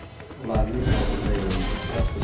ularning o'rnida yangi qishloq